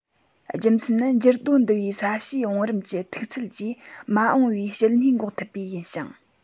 རྒྱུ མཚན ནི འགྱུར རྡོ འདུ བའི ས གཤིས བང རིམ གྱི མཐུག ཚད ཀྱིས མ འོངས པའི བཤུད ནུས འགོག ཐུབ པས ཡིན ཞིང